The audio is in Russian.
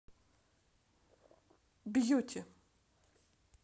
beauty